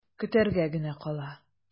Көтәргә генә кала.